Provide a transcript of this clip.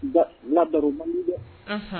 Nga n ka baro man di dɛ. Unhun